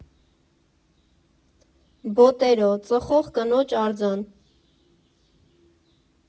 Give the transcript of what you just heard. Բոտերո, Ծխող կնոջ արձան։